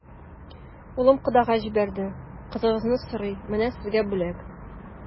Улым кодага җибәрде, кызыгызны сорый, менә сезгә бүләк.